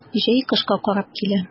Җәй кышка карап килә.